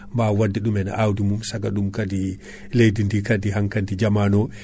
mbawa wadde ɗumen e awdi mum saaga ɗum kaadi leydi ndi kaadi hankkadi jamanu o